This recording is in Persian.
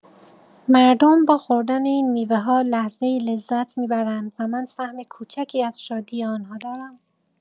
مردم با خوردن این میوه‌ها لحظه‌ای لذت می‌برند و من سهم کوچکی از شادی آنها دارم.